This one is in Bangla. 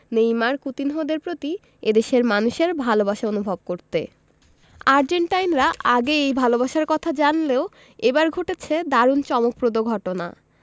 নেইমার কুতিনহোদের প্রতি এ দেশের মানুষের ভালোবাসা অনুভব করতে আর্জেন্টাইনরা আগেই এই ভালোবাসার কথা জানলেও এবার ঘটেছে দারুণ চমকপ্রদ ঘটনা